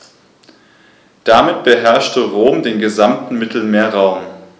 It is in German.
Damit beherrschte Rom den gesamten Mittelmeerraum.